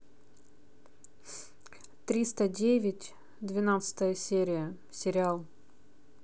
триста девять двенадцатая серия сериал